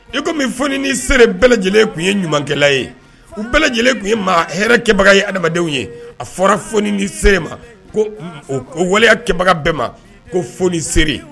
I kɔni foni seere bɛɛ lajɛlen tun ye ɲumankɛla ye u bɛɛ lajɛlen tun ye maa hɛrɛkɛbaga ye adamadenw ye a fɔra foni se ma ko o ko waleyakɛbaga bɛɛ ma ko foni seere